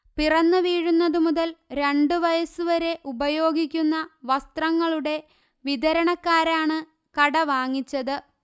പിറന്നു വീഴുന്നതുമുതൽ രണ്ടു വയസ്സുവരെ ഉപയോഗിക്കുന്ന വസ്ത്രങ്ങളുടെ വിതരണക്കാരാണ് കട വാങ്ങിച്ചത്